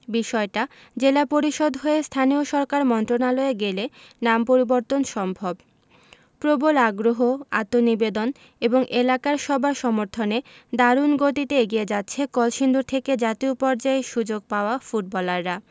বিষয়টা জেলা পরিষদ হয়ে স্থানীয় সরকার মন্ত্রণালয়ে গেলে নাম পরিবর্তন সম্ভব প্রবল আগ্রহ আত্মনিবেদন এবং এলাকার সবার সমর্থনে দারুণ গতিতে এগিয়ে যাচ্ছে কলসিন্দুর থেকে জাতীয় পর্যায়ে সুযোগ পাওয়া ফুটবলাররা